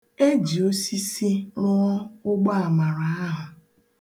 E ji osisi rụọ ụgbọamara ahụ.